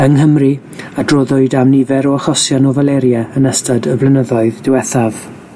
Yng Nghymru, adroddwyd am nifer o achosion o Falaria yn ystod y blynyddoedd diwethaf.